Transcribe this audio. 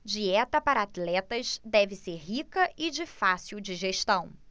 dieta para atletas deve ser rica e de fácil digestão